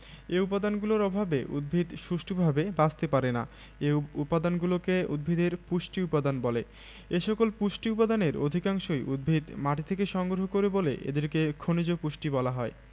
এ উপাদানগুলোর অভাবে উদ্ভিদ সুষ্ঠুভাবে বাঁচতে পারে না এ উপাদানগুলোকে উদ্ভিদের পুষ্টি উপাদান বলে এসকল পুষ্টি উপাদানের অধিকাংশই উদ্ভিদ মাটি থেকে সংগ্রহ করে বলে এদেরকে খনিজ পুষ্টি বলা হয়